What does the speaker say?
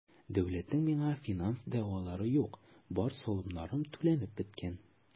Дәүләтнең миңа финанс дәгъвалары юк, бар салымнарым түләнеп беткән.